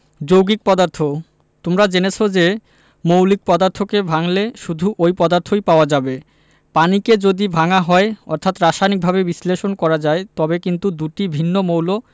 যৌগিক পদার্থ তোমরা জেনেছ যে মৌলিক পদার্থকে ভাঙলে শুধু ঐ পদার্থই পাওয়া যাবে পানিকে যদি ভাঙা হয় অর্থাৎ রাসায়নিকভাবে বিশ্লেষণ করা যায় তবে কিন্তু দুটি ভিন্ন মৌল